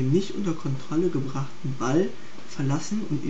nicht unter Kontrolle gebrachten Ball verlassen